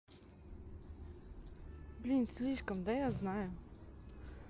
блин слишком да я знаю